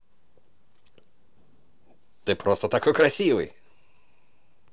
ты просто такой красивый